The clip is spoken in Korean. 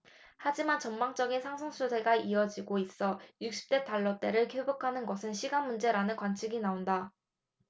하지만 전반적인 상승 추세가 이어지고 있어 육십 달러대를 회복하는 것은 시간문제라는 관측이 나온다